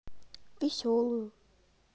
веселую